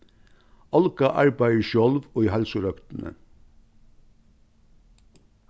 olga arbeiðir sjálv í heilsurøktini